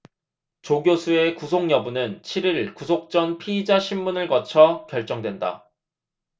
조 교수의 구속 여부는 칠 일 구속 전 피의자심문을 거쳐 결정된다